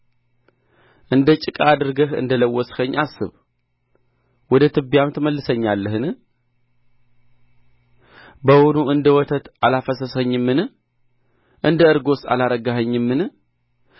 እንደ ጭቃ አድርገህ እንደ ለወስኸኝ አስብ ወደ ትቢያም ትመልሰኛለህን በውኑ እንደ ወተት አላፈሰስኸኝምን እንደ እርጎስ አላረጋኸኝምን